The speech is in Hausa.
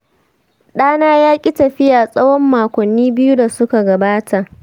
ɗana ya ƙi tafiya tsawon makonni biyu da suka gabata.